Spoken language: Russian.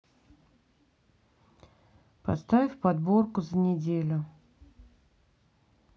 поставь подборку за неделю